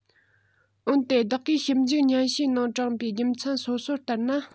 འོན ཏེ བདག གིས ཞིབ འཇུག སྙན ཞུའི ནང དྲངས པའི རྒྱུ མཚན སོ སོ ལྟར ན